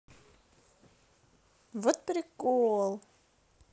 вот прикол